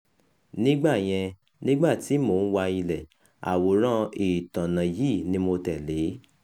Nígbà yẹn, nígbà tí mò ń wa ilẹ̀, àwòrán-ìtọ́nà yìí ni mo tẹ̀lé.